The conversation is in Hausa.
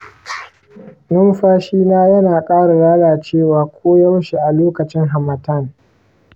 numfashina yana ƙara lalacewa koyaushe a lokacin harmattan.